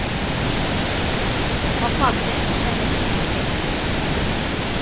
Апа, беләсеңме, әти нәрсә диде